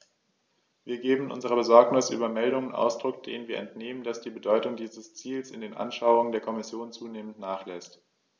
Wir geben unserer Besorgnis über Meldungen Ausdruck, denen wir entnehmen, dass die Bedeutung dieses Ziels in den Anschauungen der Kommission zunehmend nachlässt.